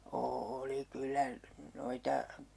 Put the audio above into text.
oli kyllä noita